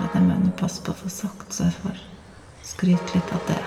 Og det må jeg nå passe på å få sagt, så jeg får skryte litt av det.